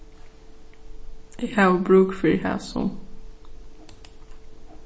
eg havi brúk fyri hasum